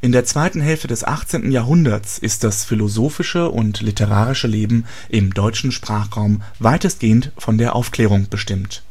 der zweiten Hälfte des 18. Jahrhunderts ist das philosophische und literarische Leben im deutschen Sprachraum weitestgehend von der Aufklärung bestimmt